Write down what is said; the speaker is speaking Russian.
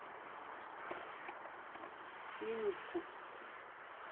минутку